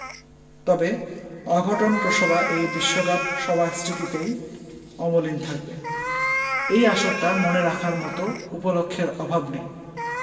তবে অঘটনপ্রসবা এই বিশ্বকাপ সবার স্মৃতিতেই অমলিন থাকবে এই আসরটা মনে রাখার মতো উপলক্ষের অভাব নেই